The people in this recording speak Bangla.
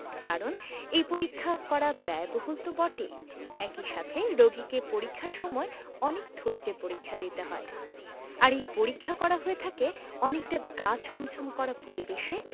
কারণ এই পরীক্ষা করা ব্যয়বহুল তো বটেই একই সাথে রোগীকে পরীক্ষার সময় অনেক ধৈর্য্যের পরীক্ষা দিতে হয় আর এই পরীক্ষা করা হয়ে থাকে অনেকটা গা ছমছম করা পরিবেশে